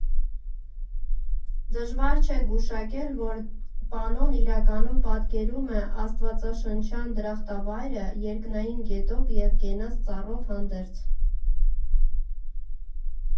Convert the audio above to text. Դժվար չէ գուշակել, որ պանոն իրականում պատկերում է աստվածաշնչյան դրախտավայրը՝ երկնային գետով և կենաց ծառով հանդերձ։